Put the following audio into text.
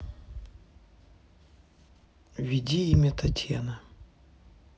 введи имя татьяна